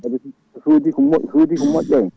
ebe si so soodi ko moƴ soodi ko moƴƴani